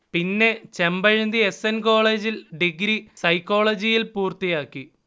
പിന്നെ, Chempazhanthi S. N. കോളജിൽ degree സൈക്കോളജിയിൽ പൂർത്തിയാക്കി